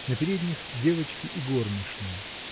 на передних -- девочки и горничная.